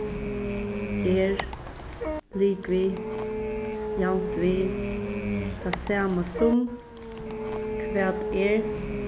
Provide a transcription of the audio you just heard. er ligvið javnt við tað sama sum hvat er